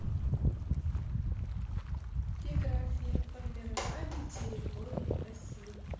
география формирования территории россии